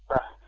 ɓa